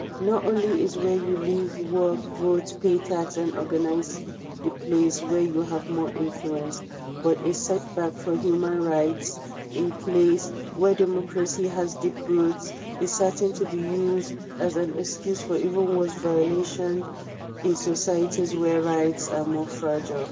Not only is where you live, work, vote, pay tax and organize the place where you have more influence, but a setback for human rights in a place where democracy has deep roots is certain to be used as an excuse for even worse violations in societies where rights are more fragile.